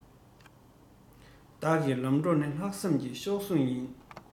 བདག གི ལམ གྲོགས ནི ལྷག བསམ གྱི གཤོག ཟུང ཡིན